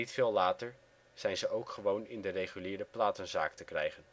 veel later zijn ze ook gewoon in de reguliere platenzaak te krijgen